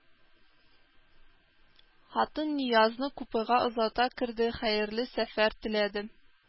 Хатын Ниязны купега озата керде, хәерле сәфәр теләде